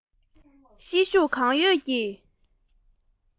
ཤེད ཤུགས གང ཡོད ཀྱིས